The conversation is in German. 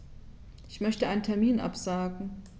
Ich möchte einen Termin absagen.